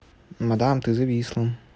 мадам ты зависла